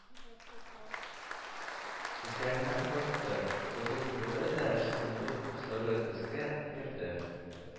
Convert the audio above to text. Төсләренә кайтты, кызыл бүре дә шундук соры төскә керде